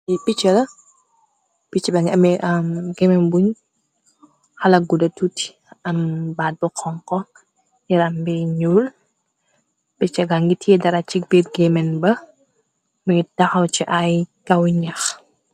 Li piccha piccha be mu ngi am me gemmen bu xala guda tuuti am baat bu xonko yarambe ñyuul picchega ngi tie dara ci biir gemen ba munit daxaw ci ay kaw ñyax.